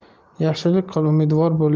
yaxshilik qil umidvor bo'l